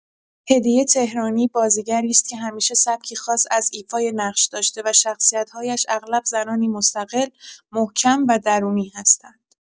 هدیه تهرانی بازیگری است که همیشه سبکی خاص از ایفای نقش داشته و شخصیت‌هایش اغلب زنانی مستقل، محکم و درونی هستند.